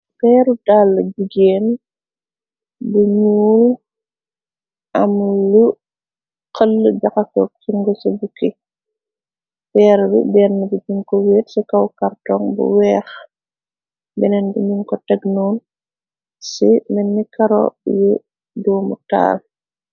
Peeru dàll jigéen bu ñuul amu lu xëll jaxako ci ngu ci bukki peer bi denn bi jinku wiir ci kaw kartoŋg bu weex beneen di niñ ko tegnoon ci menni karo yu duumu taal.